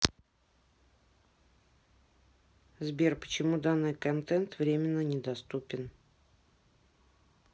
сбер почему данный контент временно недоступен